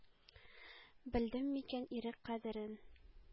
Белдем микән ирек кадерен